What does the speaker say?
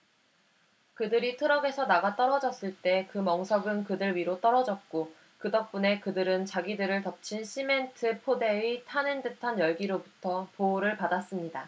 그들이 트럭에서 나가떨어졌을 때 그 멍석은 그들 위로 떨어졌고 그 덕분에 그들은 자기들을 덮친 시멘트 포대의 타는 듯한 열기로부터 보호를 받았습니다